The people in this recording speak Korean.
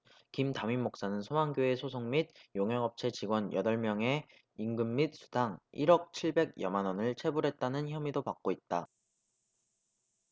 김 담임목사는 소망교회 소속 및 용역업체 직원 여덟 명의 임금 및 수당 일 억 칠백 여만원을 체불했다는 혐의도 받고 있다